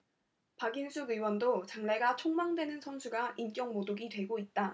박인숙 의원도 장래가 촉망되는 선수가 인격모독이 되고 있다